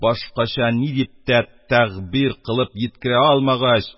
Башкача ни дип тә тәгъбир кылып йиткерә алмагач,